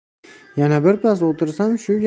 yana birpas o'tirsam shu